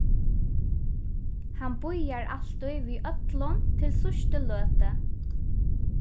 hann bíðar altíð við øllum til síðstu løtu